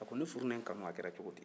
a ko ne furu ni n kanu a kɛra cogodi